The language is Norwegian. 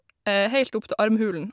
Heilt opp til armhulen.